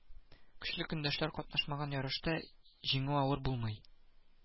Көчле көндәшләр катнашмаган ярышта иңү авыр булмый